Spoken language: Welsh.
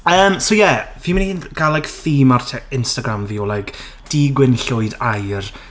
Yym so ie fi'n mynd i gael like, theme ar Ti- Instagram fi o like du, gwyn, llwyd, aur.